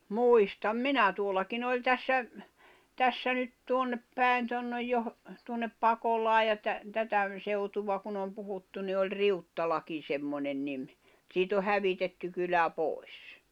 muistan minä tuollakin oli tässä tässä nyt tuonne päin tuonne - tuonne Pakolaan ja - tätä seutua kun on puhuttu niin oli Riuttalakin semmoinen niin mutta siitä on hävitetty kylä pois